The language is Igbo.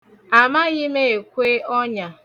Amaghị m ekwe ọnya.